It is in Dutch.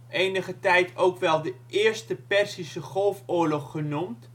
enige tijd ook wel de Eerste Perzische Golfoorlog genoemd